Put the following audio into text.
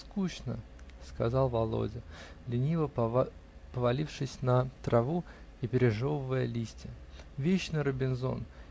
скучно, -- сказал Володя, лениво повалившись на траву и пережевывая листья, -- вечно Робинзон!